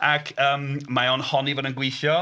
Ac yym mae o'n honni fod o'n gweithio.